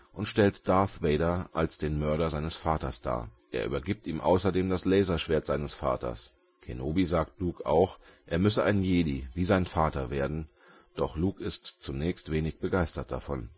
und stellt Darth Vader als den Mörder seines Vaters dar. Er übergibt ihm außerdem das Laserschwert seines Vaters. Kenobi sagt Luke auch, er müsse ein Jedi wie sein Vater werden, doch Luke ist zunächst wenig begeistert davon